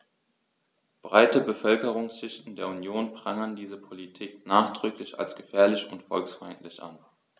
Breite Bevölkerungsschichten der Union prangern diese Politik nachdrücklich als gefährlich und volksfeindlich an.